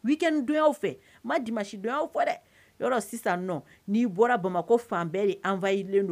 Ui kɛ n don fɛ ma di masi dɔn fɔ dɛ yɔrɔ sisan n'i bɔra bamakɔ ko fan bɛɛ de anfayilen don